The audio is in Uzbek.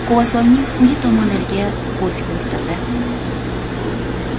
quvasoyning quyi tomonlariga ko'z yugurtirdi